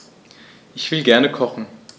Ich will gerne kochen.